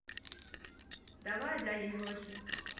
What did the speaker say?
давай даня милохин